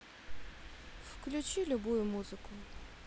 включи любую музыку